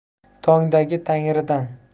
tongdagi tangridan